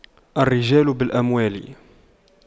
الرجال بالأموال